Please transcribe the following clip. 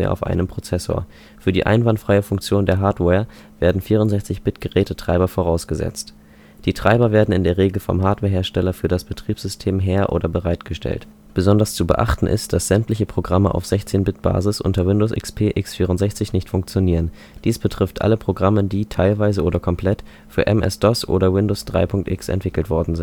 auf einem Prozessor. Für die einwandfreie Funktion der Hardware werden 64-Bit-Gerätetreiber vorausgesetzt. Die Treiber werden in der Regel vom Hardware-Hersteller für das Betriebssystem her - und bereitgestellt. Besonders zu beachten ist, dass sämtliche Programme auf 16-Bit-Basis unter Windows XP x64 nicht funktionieren. Dies betrifft alle Programme, die – teilweise oder komplett – für MS-DOS oder Windows 3.x entwickelt worden sind